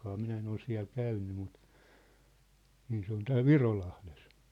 minä en ole siellä käynyt mutta niin se on täällä Virolahdessa